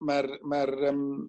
ma'r ma'r yym